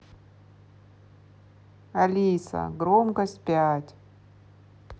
алиса громкость пять